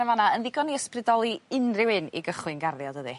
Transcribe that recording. ...yn fan 'na yn ddigon i ysbrydoli unryw un i gychwyn garddio dydi?